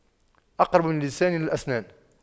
أقرب من اللسان للأسنان